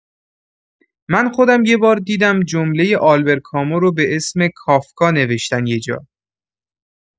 من خودم یبار دیدم جملۀ آلبر کامو رو به اسم کافکا نوشتن یجا.